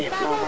a ɗoma